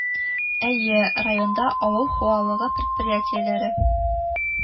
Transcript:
Әйе, районда авыл хуалыгы предприятиеләре